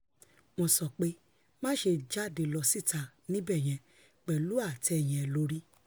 Wọ́n sọ pé, 'máṣe jáde lọ síta níbẹ̀yẹn pẹ̀lú ate yẹn lórí.'